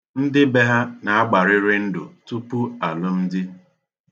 Ndị be ha na-agbarịrị ndụ tupu alụmdi